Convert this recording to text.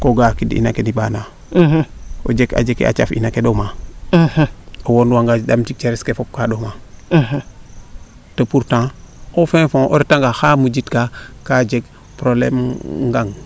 ko ga'a a qind ina ke neɓaana o jek a jeki a caf ina ke ɗomaa o won wanga damtid ceres ke fop kaa ɗomaa to pourtant o fond xa mujit kaa jeg probleme ngang